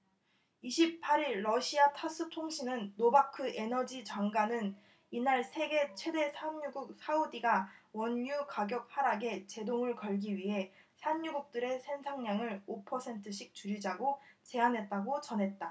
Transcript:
이십 팔 일 러시아 타스 통신은 노바크 에너지장관은 이날 세계 최대 산유국 사우디가 원유가격 하락에 제동을 걸기 위해 산유국들에 생산량을 오 퍼센트씩 줄이자고 제안했다고 전했다